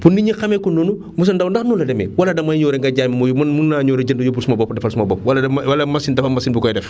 pour nit ñi xamee ko noonu monsieur Ndao ndax noonu la demee wala damay ñëw rek nga jaay ma ma yo man mën naa ñëw rek jënd yóbbul sama bopp defal sama bopp wala damay wala machine dafa am machine bu koy def